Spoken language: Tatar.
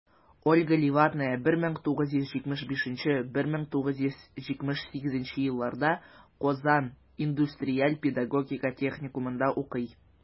Ольга Левадная 1975-1978 елларда Казан индустриаль-педагогика техникумында укый.